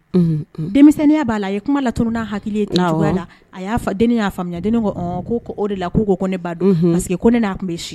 Denmisɛnninya b'a la ye kuma laturu n'a hakili la a y'a den y'a faamuya o de la' ne b'a don parce ko ne'a tun bɛ si